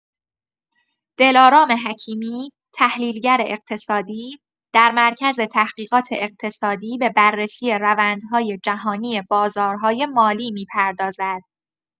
دلارام حکیمی، تحلیلگر اقتصادی، در مرکز تحقیقات اقتصادی به بررسی روندهای جهانی بازارهای مالی می‌پردازد.